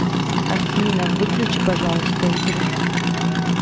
афина выключи пожалуйста игру